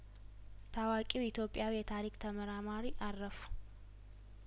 ታዋቂው ኢትዮጵያዊ የታሪክ ተመራማሪ አረፉ